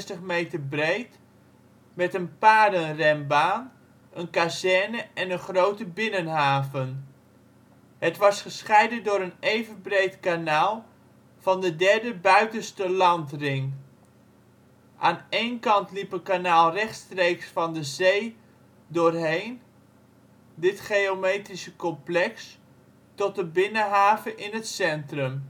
365 meter breed, met een paardenrenbaan, een kazerne en een grote binnenhaven. Het was gescheiden door een even breed kanaal van de derde buitenste landring. Aan één kant liep een kanaal rechtstreeks van de zee doorheen dit geometrische complex tot een binnenhaven in het centrum